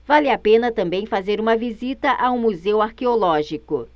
vale a pena também fazer uma visita ao museu arqueológico